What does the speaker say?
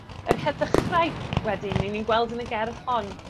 yr heddychwraig, wedyn, 'yn ni'n gweld yn y gerdd hon.